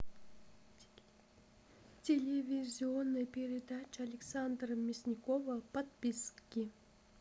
телевизионная передача александра мясникова подписки